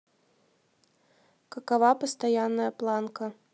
какова постоянная планка